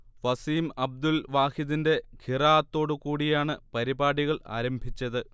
വസീംഅബ്ദുൽ വാഹിദിന്റെ ഖിറാഅത്തോട് കൂടിയാണ് പരിപാടികൾ ആരംഭിച്ചത്